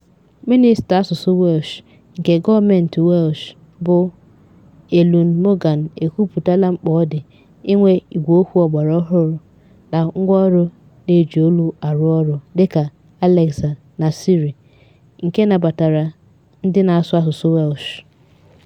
Mịnịsta asụsụ Welsh nke gọọmentị Welsh bụ Eluned Morgan ekwupụtala mkpa ọ dị inwe Ígwèokwu ọgbaraọhụrụ na ngwáọrụ na-eji olu arụ ọrụ dịka Alexa na Siri nke nabatara ndị na-asụ asụsụ Welsh.